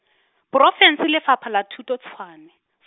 porofense Lefapha la Thuto Tshwane .